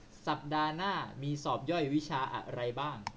สัปดาห์หน้ามีสอบย่อยวิชาอะไรบ้าง